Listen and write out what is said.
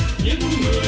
những